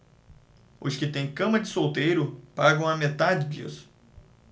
os que têm cama de solteiro pagam a metade disso